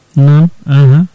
noon ah oui